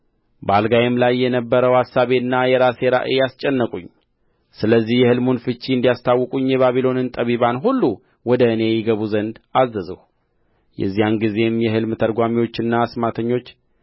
በአልጋዬም ላይ የነበረው አሳቤና የራሴ ራእይ አስጨነቁኝ ስለዚህ የሕልሙን ፍቺ እንዲያስታውቁኝ የባቢሎን ጠቢባን ሁሉ ወደ እኔ ይገቡ ዘንድ አዘዝሁ የዚያን ጊዜም የሕልም ተርጓሚዎቹና አስማተኞቹ